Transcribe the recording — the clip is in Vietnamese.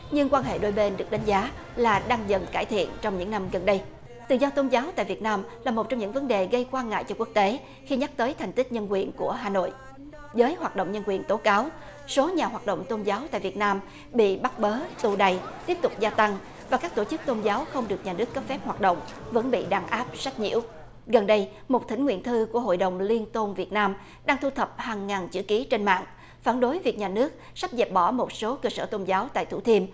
nhưng quan hệ đôi bên được đánh giá là đang dần cải thiện trong những năm gần đây tự do tôn giáo tại việt nam là một trong những vấn đề gây quan ngại cho quốc tế khi nhắc tới thành tích nhân quyền của hà nội giới hoạt động nhân quyền tố cáo số nhà hoạt động tôn giáo tại việt nam bị bắt bớ tù đày tiếp tục gia tăng và các tổ chức tôn giáo không được nhà nước cấp phép hoạt động vẫn bị đàn áp sách nhiễu gần đây một thỉnh nguyện thư của hội đồng liên tôn việt nam đang thu thập hàng ngàn chữ ký trên mạng phản đối việc nhà nước sắp dẹp bỏ một số cơ sở tôn giáo tại thủ thiêm